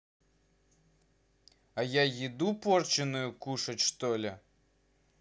а я еду порченую кушать что ли